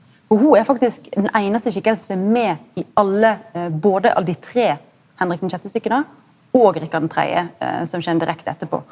og ho er faktisk den einaste skikkelsen som er med i alle både av dei tre Henrik den sjette-stykka og Rikard den tredje som kjem direkte etterpå.